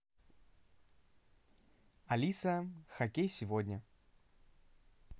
алиса хоккей сегодня